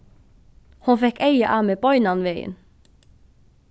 hon fekk eyga á meg beinanvegin